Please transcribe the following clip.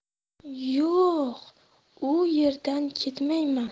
yo' o'q u yerdan ketmayman